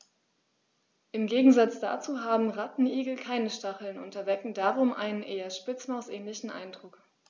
Im Gegensatz dazu haben Rattenigel keine Stacheln und erwecken darum einen eher Spitzmaus-ähnlichen Eindruck.